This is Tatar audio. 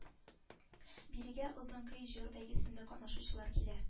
Бирегә озын көй җыр бәйгесендә катнашучылар килә